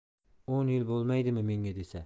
o'n yil bo'lmaydimi menga desa